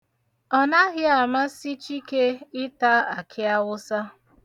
Ọ naghị amasị Chike ịta akịawụsa.